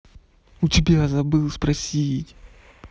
у тебя забыли спросить